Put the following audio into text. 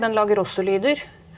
den lager også lyder.